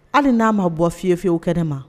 Hali n'a ma bɔ fiyeyewuw kɛnɛ ne ma